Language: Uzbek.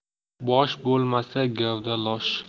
bosh bo'lmasa gavda losh